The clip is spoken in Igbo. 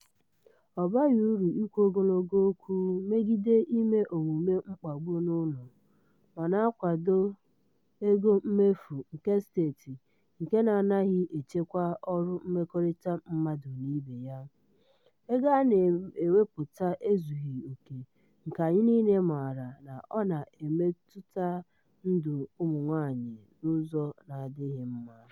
Ọ baghị uru ikwu ogologo okwu megide ime omume mkpagbu n'ụlọ ma na-akwado ego mmefu nke steeti nke na-anaghị echekwa ọrụ mmekọrịta mmadụ na ibe ya, nke ego a na-ewepụta ezughị oke nke anyị niile maara na ọ na-emetụta ndụ ụmụ nwaanyị n'ụzọ na-adịghị mma.